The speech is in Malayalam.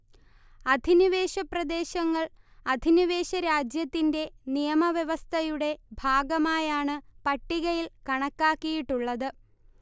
അധിനിവേശപ്രദേശങ്ങൾ അധിനിവേശരാജ്യത്തിന്റെ നിയമവ്യവസ്ഥയുടെ ഭാഗമായാണ് പട്ടികയിൽ കണക്കാക്കിയിട്ടുള്ളത്